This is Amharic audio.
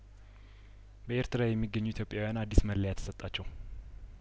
በኤርትራ የሚገኙ ኢትዮጵያውያን አዲስ መለያ ተሰጣቸው